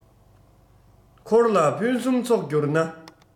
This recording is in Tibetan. འཁོར ལ ཕུན སུམ ཚོགས གྱུར ན